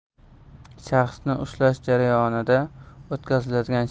shaxsni ushlash jarayonida o'tkaziladigan